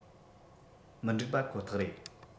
མི འགྲིག པ ཁོ ཐག རེད